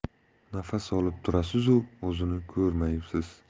nafas olib turasizu o'zini ko'rmaysiz